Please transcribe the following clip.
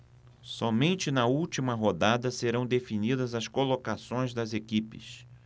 somente na última rodada serão definidas as colocações das equipes